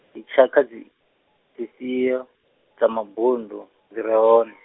ndi tshakha dzi, dzi fhio, dza mabundu, dzire hone?